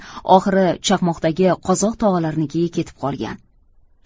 oxiri chaqmoqdagi qozoq tog'alarinikiga ketib qolgan